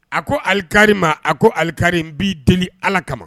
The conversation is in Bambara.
A ko Alikari ma a ko Alikari n b'i deli Ala kama